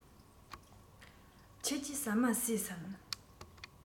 ཁྱེད ཀྱིས ཟ མ ཟོས སམ